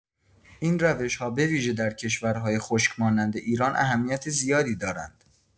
این روش‌ها به‌ویژه در کشورهای خشک مانند ایران اهمیت زیادی دارند.